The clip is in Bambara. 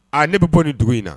Ne bɛ bɔ nin dugu in na